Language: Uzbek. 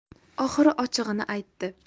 oxiri ochig'ini aytdi